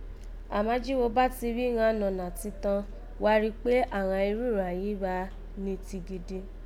Àmá, jí wo bá ti rí ghan nọ̀nà titọn, wa ri kpé àghan irun ghàn yìí gha ni ti gidi